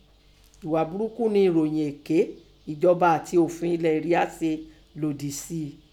Ìghà burúkú nẹ ẹ̀ròyìn èké ẹ̀jọba àti òfi ẹlẹ̀ ria sèè lòdì sé i.